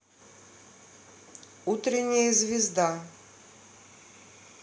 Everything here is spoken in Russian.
утренняя звезда